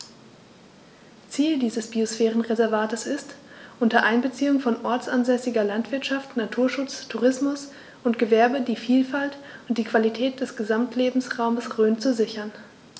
Ziel dieses Biosphärenreservates ist, unter Einbeziehung von ortsansässiger Landwirtschaft, Naturschutz, Tourismus und Gewerbe die Vielfalt und die Qualität des Gesamtlebensraumes Rhön zu sichern.